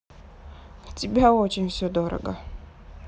тебя очень все дорого